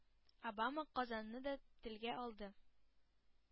Обама Казанны да телгә алды.